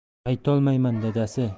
aytolmayman dadasi